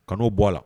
Kan'o bɔra .